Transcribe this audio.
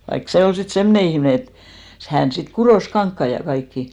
vaikka se oli sitten semmoinen ihminen että hän sitten kutoi kankaita ja kaikkia